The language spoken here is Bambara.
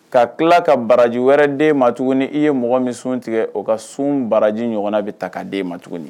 Ka tila ka baraji wɛrɛ d'e ma tuguni i ye mɔgɔ min sun tigɛ, o ka sun baraji ɲɔgɔn na bɛ ta ka d'e ma tuguni.